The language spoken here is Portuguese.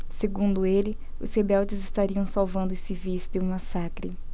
segundo ele os rebeldes estariam salvando os civis de um massacre